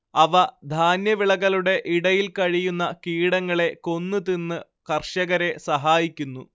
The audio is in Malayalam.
അവ ധാന്യവിളകളുടെ ഇടയിൽ കഴിയുന്ന കീടങ്ങളെ കൊന്ന് തിന്ന് കർഷകരെ സഹായിക്കുന്നു